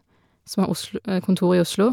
Som har Oslo kontor i Oslo.